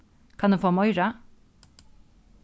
kann eg fáa meira